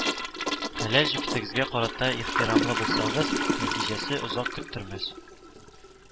Хәләл җефетегезгә карата ихтирамлы булсагыз, нәтиҗәсе озак көттермәс